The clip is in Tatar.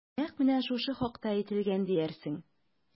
Нәкъ менә шушы хакта әйтелгән диярсең...